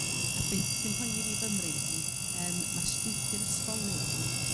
A be' sy'n mhoeni fi fymryn ydi yrm ma' strwythur ysgolion